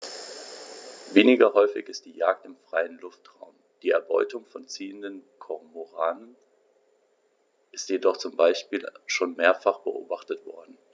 Weniger häufig ist die Jagd im freien Luftraum; die Erbeutung von ziehenden Kormoranen ist jedoch zum Beispiel schon mehrfach beobachtet worden.